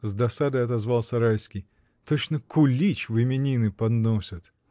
— с досадой отозвался Райский, — точно кулич в именины подносят!